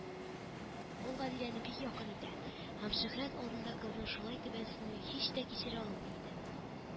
Ул Гадиләне бик якын итә һәм Шөһрәт алдында кызның шулай түбәнсенүен һич тә кичерә алмый иде